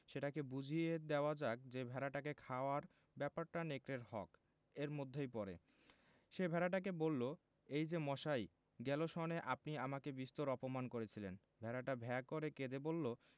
সেটাকে বুঝিয়ে দেওয়া যাক যে ভেড়াটাকে খাওয়ার ব্যাপারটা নেকড়ের হক এর মধ্যেই পড়ে সে ভেড়াটাকে বলল এই যে মশাই গেল সনে আপনি আমাকে বিস্তর অপমান করেছিলেন ভেড়াটা ভ্যাঁ করে কেঁদে বলল